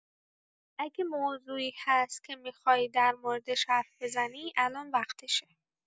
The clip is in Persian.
اگه موضوعی هست که می‌خوای در موردش حرف بزنی، الان وقتشه!